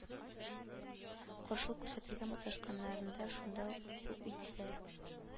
Каршылык күрсәтергә маташканнарын да шунда ук юк ителәләр